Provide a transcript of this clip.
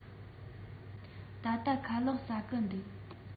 ད ལྟ ཁ ལག ཟ གི འདུག